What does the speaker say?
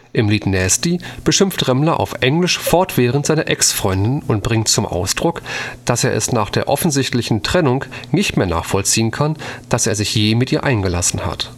Im Lied Nasty beschimpft Remmler auf englisch fortwährend seine Ex-Freundin und bringt zum Ausdruck, dass er es nach der offensichtlichen Trennung nicht mehr nachvollziehen kann, dass er sich je mit ihr eingelassen hat